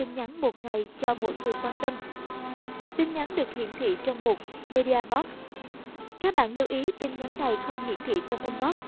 gửi tin nhắn ngày cho mỗi người quan tâm tin nhắn được hiển thị trong mục media box các bạn lưu ý tin nhắn này không hiển thị trong inbox